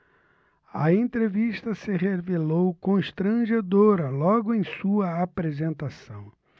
a entrevista se revelou constrangedora logo em sua apresentação